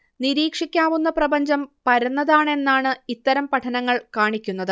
നിരീക്ഷിക്കാവുന്ന പ്രപഞ്ചം പരന്നതാണെന്നാണ് ഇത്തരം പഠനങ്ങൾ കാണിക്കുന്നത്